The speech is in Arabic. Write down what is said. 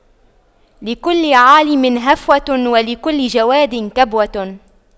لكل عالِمٍ هفوة ولكل جَوَادٍ كبوة